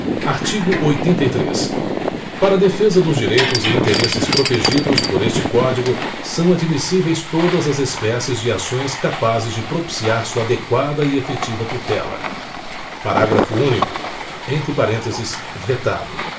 artigo oitenta e três para a defesa dos direitos e interesses protegidos por este código são admissíveis todas as espécies de ações capazes de propiciar sua adequada e efetiva tutela parágrafo único entre parênteses vetado